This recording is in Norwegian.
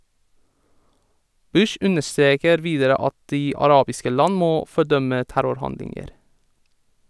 Bush understreker videre at de arabiske land må fordømme terrorhandlinger.